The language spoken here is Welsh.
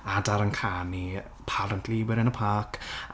Adar yn canu, apparently we're in a park...